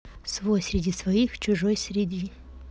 свой среди своих чужой среди